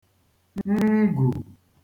ngù